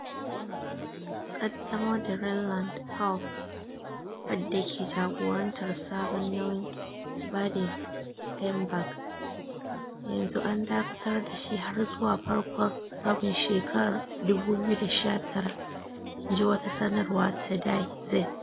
Kadamar da Rheinland-Pfalz, wadda ke jagorantar sabon nauyin Baden-Wuerttemberg, yanzu an dakatar da shi har zuwa farkon rabin shekarar 2019, in ji wata sanarwa ta Die Zeit.